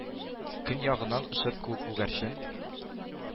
Көньягыннан очып күгәрчен